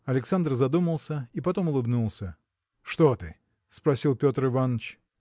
Александр задумался и потом улыбнулся. – Что ты? – спросил Петр Иваныч.